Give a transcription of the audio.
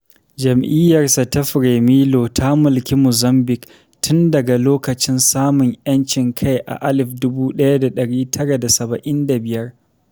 Jam'iyyarsa ta Fremilo ta mulki Mozambique tun daga lokacin samun 'yancin kai a 1975.